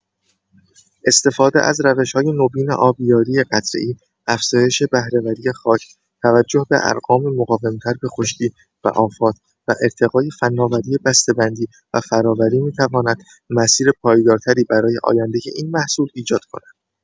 استفاده از روش‌های نوین آبیاری قطره‌ای، افزایش بهره‌وری خاک، توجه به ارقام مقاوم‌تر به خشکی و آفات، و ارتقای فناوری بسته‌بندی و فرآوری می‌تواند مسیر پایدارتری برای آینده این محصول ایجاد کند.